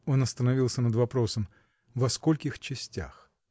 Он остановился над вопросом: во скольких частях?